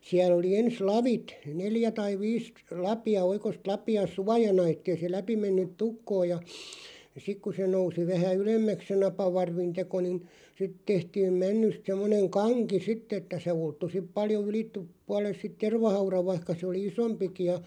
siellä oli ensin lavit neljä tai viisi lapia oikoista lapia suojana että ei se läpi mennyt tukkoon ja sitten kun se nousi vähän ylemmäksi se napavarvin teko niin sitten tehtiin männystä semmoinen kanki sitten että se ulottui sitten paljon - puolelle sitten tervahaudan vaikka se oli isompikin ja